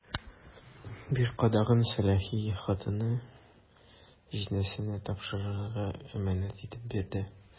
Биш кадагын сәләхи хатыны җизнәсенә тапшырырга әманәт итеп бирде.